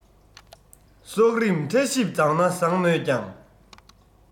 གསོག རིམ ཕྲ ཞིབ མཛངས ན བཟང མོད ཀྱང